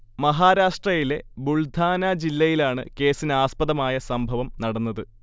മഹാരാഷ്ട്രയിലെ ബുൾധാന ജില്ലയിലാണ് കേസിനാസ്പദമായ സംഭവം നടന്നത്